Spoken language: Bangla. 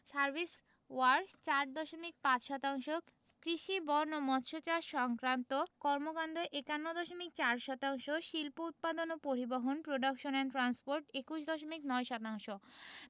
সার্ভিস ওয়ার্ক্স ৪ দশমিক ৫ শতাংশ কৃষি বন ও মৎসচাষ সংক্রান্ত কর্মকান্ড ৫১ দশমিক ৪ শতাংশ শিল্প উৎপাদন ও পরিবহণ প্রোডাকশন এন্ড ট্রান্সপোর্ট ২১ দশমিক ৯ শতাংশ